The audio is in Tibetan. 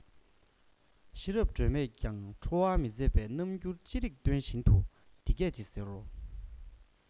ཤེས རབ སྒྲོལ མས ཀྱང ཁྲོ བ མི ཟད པའི རྣམ འགྱུར ཅི རིགས སྟོན བཞིན དུ འདི སྐད ཅེས ཟེར རོ